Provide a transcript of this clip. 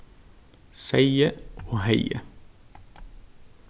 segði og hevði